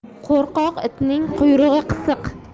qo'rqoq itning quyrug'i qisiq